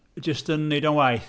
Jyst yn wneud o'n waeth.